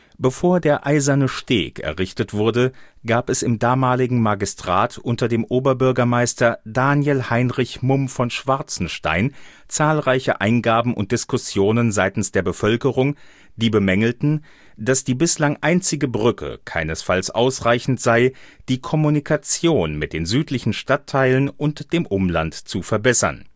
Bevor der Eiserne Steg errichtet wurde, gab es im damaligen Magistrat unter dem Oberbürgermeister Daniel Heinrich Mumm von Schwarzenstein zahlreiche Eingaben und Diskussionen seitens der Bevölkerung, die bemängelten, dass die bislang einzige Brücke keinesfalls ausreichend sei, die Kommunikation mit den südlichen Stadtteilen und dem Umland zu verbessern